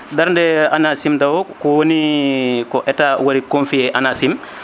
daarde ANACIM taw kowoni ko État waɗi confier ANACIM a